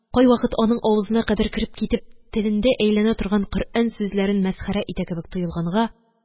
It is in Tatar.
Кайвакыт аның авызына кадәр кереп китеп телендә әйләнә торган коръән сүзләрен мәсхәрә итә кебек тоелганга